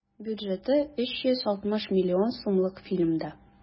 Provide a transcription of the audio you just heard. Бюджеты 360 миллион сумлык фильмда.